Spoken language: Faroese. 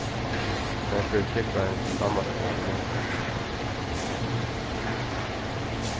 nær fer flúgvarin til danmarkar í morgun